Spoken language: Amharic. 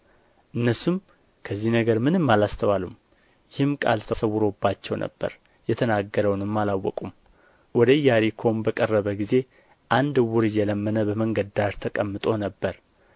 እነርሱም ከዚህ ነገር ምንም አላስተዋሉም ይህም ቃል ተሰውሮባቸው ነበር የተናገረውንም አላወቁም ወደ ኢያሪኮም በቀረበ ጊዜ አንድ ዕውር እየለመነ በመንገድ ዳር ተቀምጦ ነበር